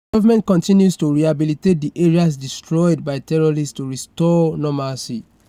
The government continues to rehabilitate the areas destroyed by terrorists to restore normalcy.